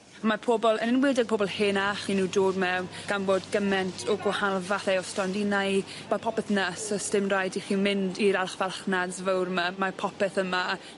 Ma' pobol yn enwedig pobol henach 'yn nw dod mewn gan bod gyment o gwahanol fathau o stondinau ma' popeth 'ny so sdim raid i chi mynd i'r archfarchnads fowr 'my mae popeth yma.